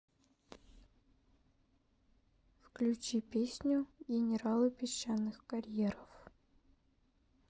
включи песню генералы песчаных карьеров